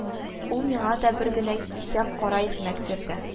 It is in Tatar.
Ул миңа да бер генә кисәк кара икмәк бирде